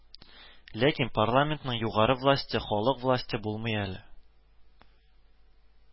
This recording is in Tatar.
Ләкин парламентның югары власте халык власте булмый әле